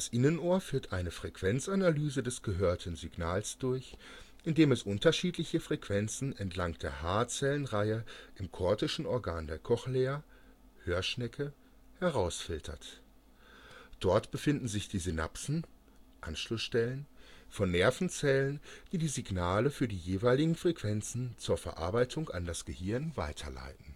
Innenohr führt eine Frequenzanalyse des gehörten Signals durch, indem es unterschiedliche Frequenzen entlang der Haarzellenreihe im Cortischen Organ der Cochlea (Hörschnecke) herausfiltert. Dort befinden sich die Synapsen (Anschlussstellen) von Nervenzellen, die die Signale für die jeweiligen Frequenzen zur Verarbeitung an das Gehirn weiterleiten